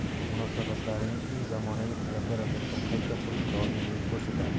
munosabatlarini eng zamonaviy talablar asosida qayta qurish lozimligini ko'rsatdi